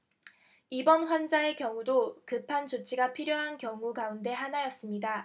이번 환자의 경우도 급한 조치가 필요한 경우 가운데 하나였습니다